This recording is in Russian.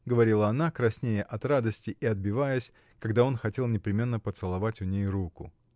— говорила она, краснея от радости и отбиваясь, когда он хотел непременно поцеловать у ней руку.